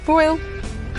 Hwyl!